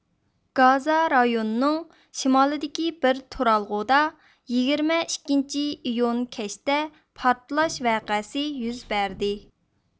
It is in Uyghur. گازا رايونىنىڭ شىمالىدىكى بىر تۇرالغۇدا يىگىرمە ئىككىنچى ئىيۇن كەچتە پارتلاش ۋەقەسى يۈز بەردى